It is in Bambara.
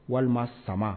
Walima sama